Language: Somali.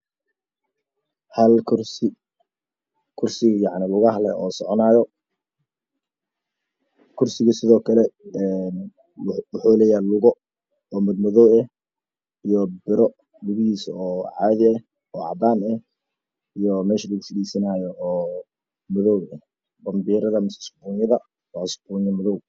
Hal kursi kursiga yacni oo lugaha leh oo soconayo kursiga sidoo kale een wuxuu leeyahay lugo oo madmadow ah iyo biro lugihiisa oo caadi ah oo cadaan ah iyo meesha lagu fariisanayo oo madow ah babiirada mise isbuunyada waa isbuunyo madow